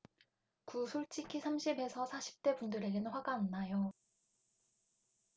구 솔직히 삼십 에서 사십 대 분들에겐 화가 안 나요